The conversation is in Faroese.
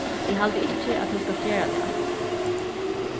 eg haldi ikki at tú skalt gera tað